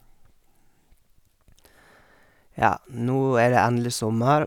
Ja, nå er det endelig sommer.